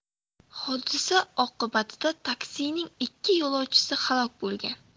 hodisa oqibatida taksining ikki yo'lovchisi halok bo'lgan